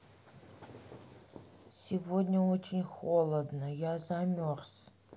сегодня очень холодно я замерз